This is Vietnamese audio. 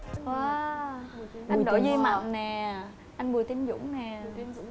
oa anh đỗ duy mạnh nè anh bùi tiến dũng nè